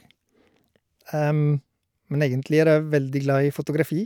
Men egentlig er jeg veldig glad i fotografi.